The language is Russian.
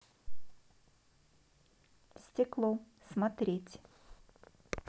стекло смотреть